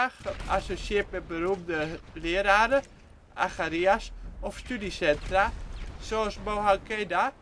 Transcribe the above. geassocieerd met beroemde leraren (Acharya) s of studiecentra, zoals Mohankheda